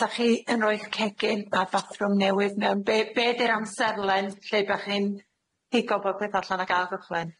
sa' chi yn roi ch- cegin a bathrwm newydd mewn? Be- be' 'di'r amserlen lle dach chi'n pigo bo' peth allan ac ailgychwyn?